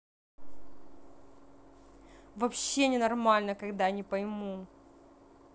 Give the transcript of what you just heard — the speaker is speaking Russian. вообще ненормально когда не пойму